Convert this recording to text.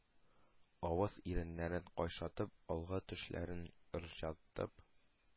Авыз-иреннәрен кыйшайтып, алгы тешләрен ыржайтып